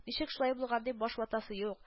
Ничек шулай булган, дип баш ватасы юк